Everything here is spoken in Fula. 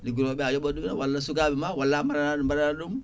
liggotoɓe a yooɓat ɗumen walla sukaɓema walla an mbaɗa mbaɗa ɗum